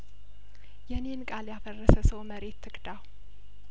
የኔን ቃል ያፈረሰ ሰው መሬት ትክዳው